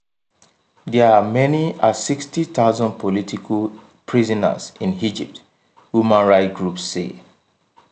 There are as many as 60,000 political prisoners in Egypt, human rights groups say.